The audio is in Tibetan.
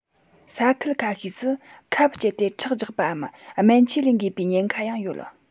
ས ཁུལ ཁ ཤས སུ ཁབ སྤྱད དེ ཁྲག རྒྱག པའམ སྨན ཆས ལས འགོས པའི ཉེན ཁ ཡང ཡོད